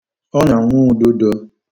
ọnyànwaùdudō